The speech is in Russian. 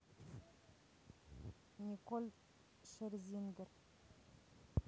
николь шерзингер